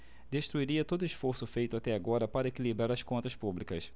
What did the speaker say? destruiria todo esforço feito até agora para equilibrar as contas públicas